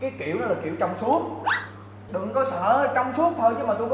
cái kiểu đó là kiểu trong suốt đừng có sợ trong suốt thôi chứ mà tôi